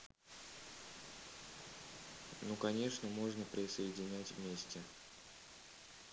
ну конечно можно присоединять вместе